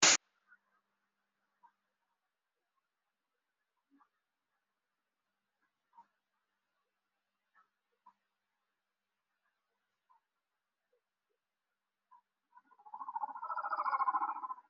Halkaan waxaa ka muuqdo jabaati jar jar ah midabkana waa jaalo